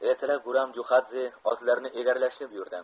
ertalab guram jo'xadze otlarni egarlashni buyurdi